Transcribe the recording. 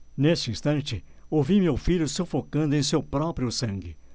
nesse instante ouvi meu filho sufocando em seu próprio sangue